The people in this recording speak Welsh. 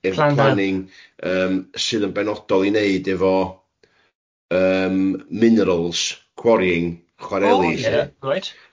Planning yym sydd yn benodol i wneud efo yym minerals quarrying chwareli... O ie, reit.